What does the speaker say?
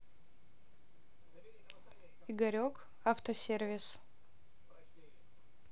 игорек автосервис